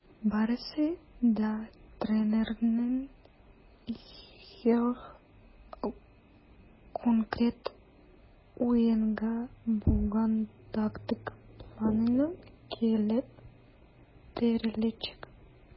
Барысы да тренерның һәр конкрет уенга булган тактик планына килеп терәләчәк.